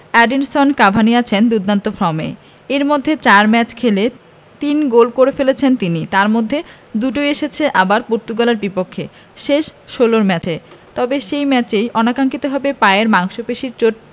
Edinson Cavani আছেন দুর্দান্ত ফর্মে এর মধ্যে ৪ ম্যাচে খেলে ৩ গোল করে ফেলেছেন তিনি তার মধ্যে দুটোই এসেছে আবার পর্তুগালের বিপক্ষে শেষ ষোলোর ম্যাচে তবে সেই ম্যাচেই অনাকাঙ্ক্ষিতভাবে পায়ের মাংসপেশির চোট